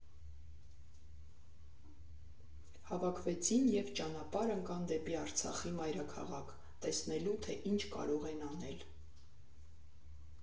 Հավաքվեցին և ճանապարհ ընկան դեպի Արցախի մայրաքաղաք՝ տեսնելու, թե ինչ կարող են անել։